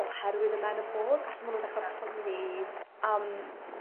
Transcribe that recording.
oherwydd y menopos 'alla' ma' nw'n dechra poeni am